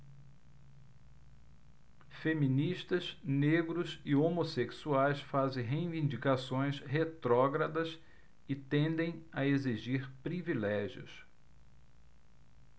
feministas negros e homossexuais fazem reivindicações retrógradas e tendem a exigir privilégios